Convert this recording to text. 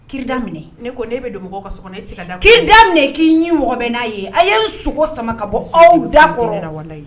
Kida ne ko ne bɛ don mɔgɔ ka so ki da minɛ k'i ɲɛ mɔgɔ bɛ n'a ye a ye n sogo sama ka bɔ aw da